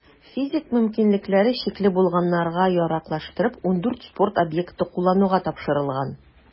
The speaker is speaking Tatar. Физик мөмкинлекләре чикле булганнарга яраклаштырып, 14 спорт объекты куллануга тапшырылган.